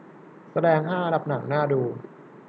แสดงห้าอันดับหนังน่าดู